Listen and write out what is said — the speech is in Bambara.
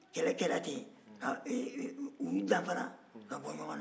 kɛlɛ kɛra ten k'u danfara ka bɔ ɲɔgɔn na